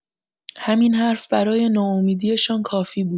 همین حرف برای ناامیدیشان کافی بود.